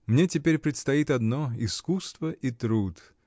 Мне теперь предстоит одно: искусство и труд.